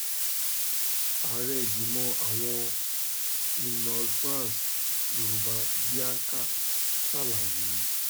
Ààrẹ Ìgbìmọ̀ àwọn Inal-France, Youba Dianka, ṣàlàyé: